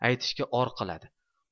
aytishga or qiladi